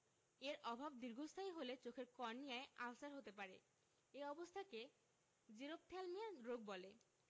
এর অভাব দীর্ঘস্থায়ী হলে চোখের কর্নিয়ায় আলসার হতে পারে এ অবস্থাকে জেরপ্থ্যালমিয়া রোগ বলে